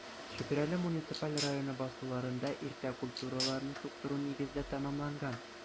Чүпрәле муниципаль районы басуларында иртә культураларны суктыру нигездә тәмамланган.